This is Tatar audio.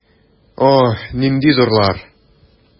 Ох, нинди зурлар!